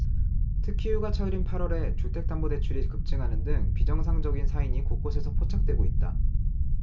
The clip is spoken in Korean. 특히 휴가철인 팔 월에 주택담보대출이 급증하는 등 비정상적인 사인이 곳곳에서 포착되고 있다